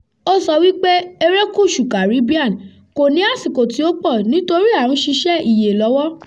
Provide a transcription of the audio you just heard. Ó sọ wípé, erékùṣù Caribbean, "kò ní àsìkò tí ó pọ̀ nítorí [à] ń ṣiṣẹ́ ìyè lọ́wọ́ ".